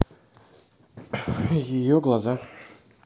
ее глаза